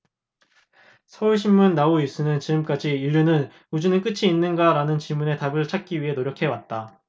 서울신문 나우뉴스 지금까지 인류는우주는 끝이 있는가 라는 질문의 답을 찾기 위해 노력해왔다